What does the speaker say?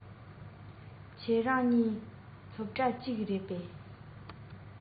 གོ ཐོས ལྟར ན ཁོང དེ སྔོན སྤྱོད པ བག མེད ཅན ཞིག ཡིན པས ཤོག སྒོར མི ཉུང བ ཞིག ཆུད ཟོས སུ བཏང